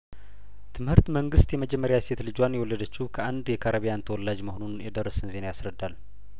ትምህርት መንግስት የመጀመሪያ ሴት ልጇን የወለደችው ከአንድ የካረቢያን ተወላጅ መሆኑን የደረሰን ዜና ያስረዳል